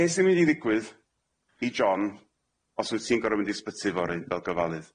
Be' sy'n mynd i ddigwydd i John os wyt ti'n gor'o' mynd i sbyty fory fel gofalydd?